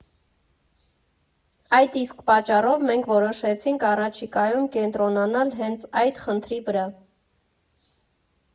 Այդ իսկ պատճառով մենք որոշեցինք առաջիկայում կենտրոնանալ հենց այդ խնդրի վրա։